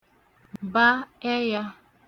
ba ẹyā